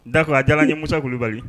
Da a dala ye musa kulubali